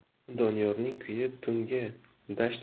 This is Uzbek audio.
doniyorning kuyi tungi dasht